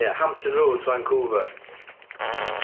Ia, Hampton Roads, Vancouver.